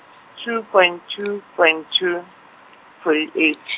two, point, two, point, two, fourty eight.